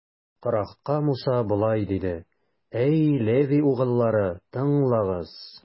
Корахка Муса болай диде: Әй Леви угыллары, тыңлагыз!